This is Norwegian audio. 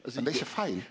men det er ikkje feil.